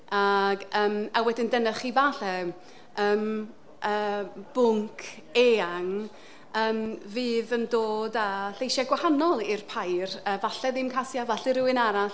Ac yym a wedyn, dyna chi falle yym yy bwnc eang yym fydd yn dod â lleisiau gwahanol i'r pair, falle ddim Casia, falle rywun arall.